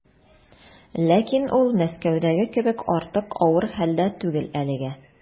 Ләкин ул Мәскәүдәге кебек артык авыр хәлдә түгел әлегә.